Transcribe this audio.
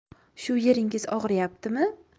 shu yeringiz og'riyaptimi